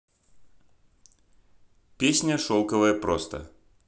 песня шелковое просто